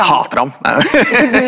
jeg hater ham .